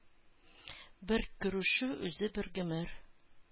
Бер күрешү үзе бер гомер.